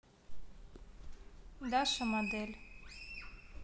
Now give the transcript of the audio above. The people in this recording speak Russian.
даша модель